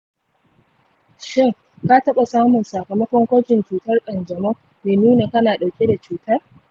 shin ka taɓa samun sakamakon gwajin cutar kanjamau mai nuna kana ɗauke da cutar?